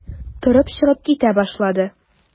Торып чыгып китә башлады.